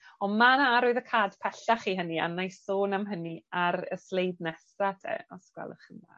On' ma' 'na arwyddocâd pellach i hynny a wnâi sôn am hynny ar y sleid nesaf 'de os gwelwch yn dda.